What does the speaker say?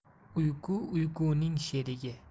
uyqu uyquning sherigi